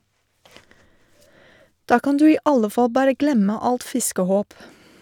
Da kan du i alle fall bare glemme alt fiskehåp.